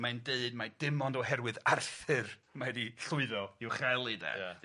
Mae'n deud mai dim ond oherwydd Arthur mae 'di llwyddo i'w chael 'i de. Ia.